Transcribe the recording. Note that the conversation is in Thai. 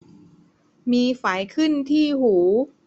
มีไฝขึ้นที่หู